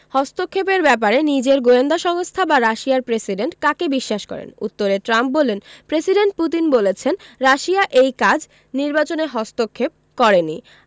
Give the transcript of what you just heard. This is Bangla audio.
হস্তক্ষেপের ব্যাপারে নিজের গোয়েন্দা সংস্থা বা রাশিয়ার প্রেসিডেন্ট কাকে বিশ্বাস করেন উত্তরে ট্রাম্প বললেন প্রেসিডেন্ট পুতিন বলেছেন রাশিয়া এই কাজ নির্বাচনে হস্তক্ষেপ করেনি